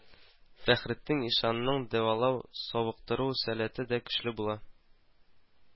Фәхретдин ишанның дәвалау, савыктыру сәләте дә көчле була